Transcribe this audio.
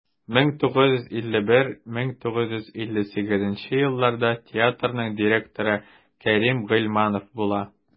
1951-1958 елларда театрның директоры кәрим гыйльманов була.